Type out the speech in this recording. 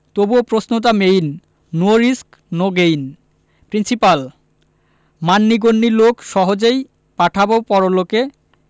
তবুও প্রশ্নটা main no risk no gain principle মান্যিগন্যি লোক সহজেই পাঠাবো পরলোকে